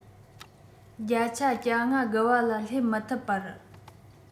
བརྒྱ ཆ ༨༥ བརྒལ བ ལ སླེབས མི ཐུབ པར